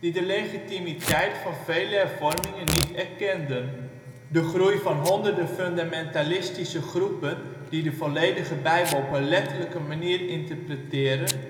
de legitimiteit van vele hervormingen erkenden. De groei van honderden fundamentalistische groepen die de volledige bijbel op een letterlijke manier interpreteren